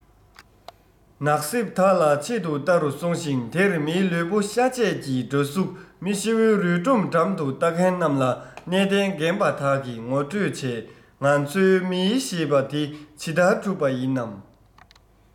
ནགས གསེབ དག ལ ཆེད དུ བལྟ རུ སོང ཞིང དེར མིའི ལུས པོ བཤའ དཔྱད ཀྱི འདྲ གཟུགས མི ཤི བོའི རུས སྒྲོམ འགྲམ དུ ལྟ མཁན རྣམས ལ གནས བརྟན རྒན པ དག གིས ངོ སྤྲོད བྱས ང ཚོའི མི ཞེས པ འདི ཇི ལྟར གྲུབ པ ཡིན ནམ